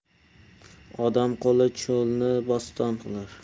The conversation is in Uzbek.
odam qo'li cho'lni bo'ston qilar